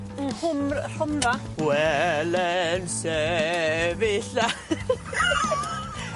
Nghwm Rhondda. Wele'n sefyll a-